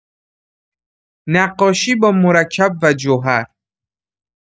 نقاشی با مرکب و جوهر